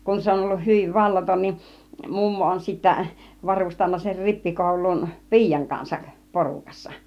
kun se on ollut hyvin vallaton niin mummo on sitten varustanut sen rippikouluun piian kanssa porukassa